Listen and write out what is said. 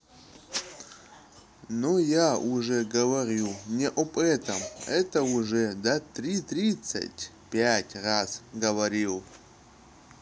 но я уже говорю не об этом это уже да три тридцать пять раз говорил